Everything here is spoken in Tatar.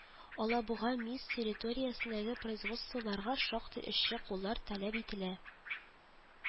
Алабуга МИЗ территориясендәге производстволарга шактый эшче куллар таләп ителә